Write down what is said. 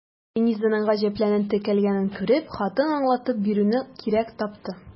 Ленизаның гаҗәпләнеп текәлгәнен күреп, хатын аңлатып бирүне кирәк тапты.